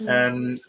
Yym